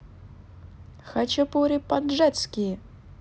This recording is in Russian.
хачапури по jettski